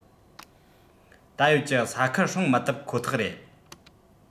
ད ཡོད ཀྱི ས ཁུལ སྲུང མི ཐུབ ཁོ ཐག རེད